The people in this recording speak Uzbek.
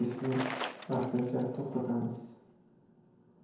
ishni vaqtincha to'xtatamiz